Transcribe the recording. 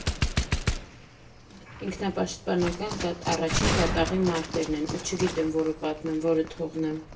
Ինքնապաշտպանական առաջին կատաղի մարտերն են, ու չգիտեմ՝ որը պատմեմ, որը թողնեմ։